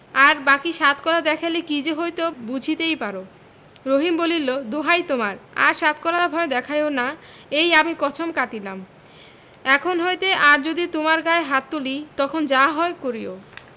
আর বাকী সাত কলা দেখাইলে কি যে হইত বুঝিতেই পার রহিম বলিল দোহাই তোমার আর সাত কলার ভয় দেখাইও এই আমি কছম কাটিলাম এখন হইতে আর যদি তোমার গায়ে হাত তুলি তখন যাহা হয় করিও